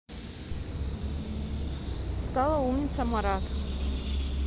стала умница марат